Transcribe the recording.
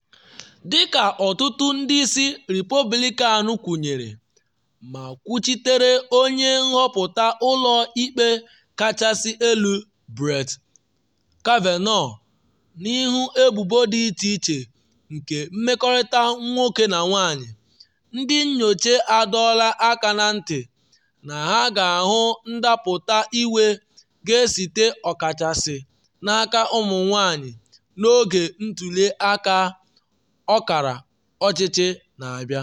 Dị ka ọtụtụ ndị isi Repọblikan kwụnyere ma kwuchitere Onye nhọpụta Ụlọ Ikpe Kachasị Elu Brett Kavanaugh n’ihu ebubo dị iche iche nke mmekọrịta nwoke na nwanyị, ndị nyocha adọọla aka na ntị na ha ga-ahụ ndapụta iwe ga-esite ọkachasị n’aka ụmụ-nwanyị, n’oge ntuli aka ọkara ọchịchị na-abịa.